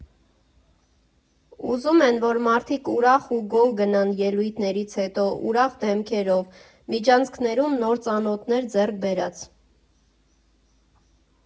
Ուզում են, որ մարդիկ ուրախ ու գոհ գնան՝ ելույթներից հետո՝ ուրախ դեմքերով, միջանցքներում նոր ծանոթներ ձեռք բերած։